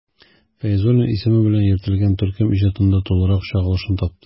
Фәйзуллин исеме белән йөртелгән төркем иҗатында тулырак чагылышын тапты.